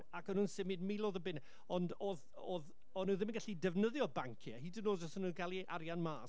Ac o'n nhw'n symud miloedd o bunnau, ond oedd, oedd o'n nhw ddim yn gallu defnyddio banciau hyd yn oed os o'n nhw'n gael eu arian mas.